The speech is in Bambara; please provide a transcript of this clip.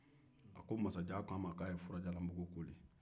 a ko masajan ko a ma k'a furajalanmugu inintelligible